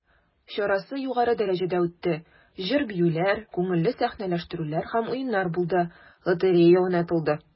Чарасы югары дәрәҗәдә үтте, җыр-биюләр, күңелле сәхнәләштерүләр һәм уеннар булды, лотерея уйнатылды.